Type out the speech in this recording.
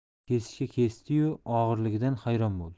kesishga kesdiyu og'irligidan hayron bo'ldi